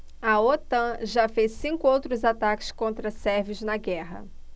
a otan já fez cinco outros ataques contra sérvios na guerra